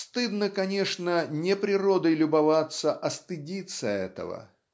Стыдно, конечно, не природой любоваться, а стыдиться этого.